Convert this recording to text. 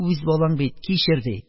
"үз балаң бит, кичер", - диде.